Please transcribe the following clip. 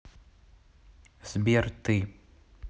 сбер ты